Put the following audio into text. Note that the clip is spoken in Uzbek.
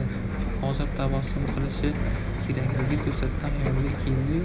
hozir tabassum qilishi kerakligi to'satdan xayoliga keldi yu